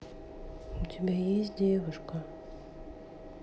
у тебя есть девушка